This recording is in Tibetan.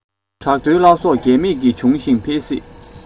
བྲག རྡོའི བླ སྲོག རྒས མེད ཞིག ཀྱང འབྱུང ཞིང འཕེལ སྲིད